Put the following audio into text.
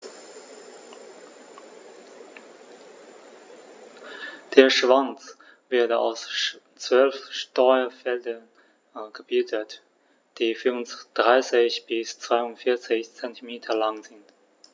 Der Schwanz wird aus 12 Steuerfedern gebildet, die 34 bis 42 cm lang sind.